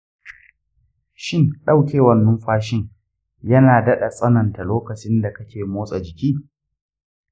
shin daukewar numfashin yana daɗa tsananta lokacin da kake motsa jiki?